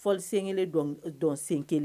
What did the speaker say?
Fɔ sen kelen dɔn sen kelen